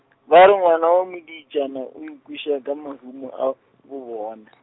ba re ngwana wa modiitšana o ikweša ka mahumo a, bobona.